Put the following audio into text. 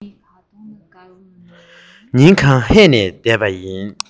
ཉིན གང ཧད ནས བསྡད པ ན